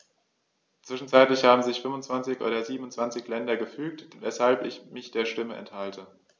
Zwischenzeitlich haben sich 25 der 27 Länder gefügt, weshalb ich mich der Stimme enthalte.